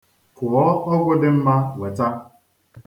Kụọ ọgwụ dị mma weta.